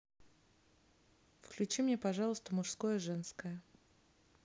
включи мне пожалуйста мужское женское